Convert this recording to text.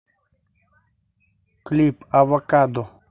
клип авокадо